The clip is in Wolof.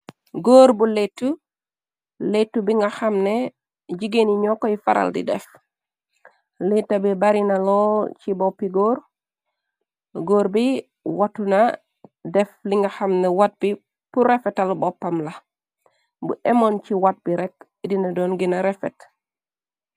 Góor bu latu latu bi nga xam ne jigeen ñoo koy faral di def leta bi barina loo ci boppi góor góor bi watu na def li nga xamne wat bi pur refetal boppam la bu emoon ci wàt bi rekk dina doon gina refet.